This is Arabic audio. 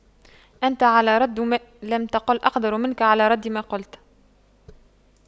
أنت على رد ما لم تقل أقدر منك على رد ما قلت